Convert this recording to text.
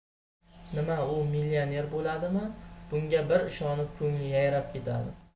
nima u millioner bo'ladimi bunga bir ishonib ko'ngli yayrab ketadi